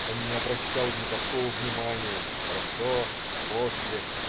Он не обращал никакого внимания. "Хорошо, после".